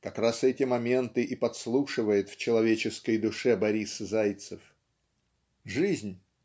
Как раз эти моменты и подслушивает в человеческой душе Борис Зайцев. Жизнь